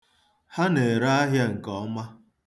Ha na-ere ahịa nke ọma.